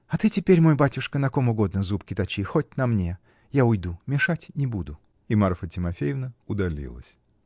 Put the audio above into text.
-- А ты теперь, мой батюшка, на ком угодно зубки точи, хоть на мне я уйду, мешать не буду. И Марфа Тимофеевна удалилась.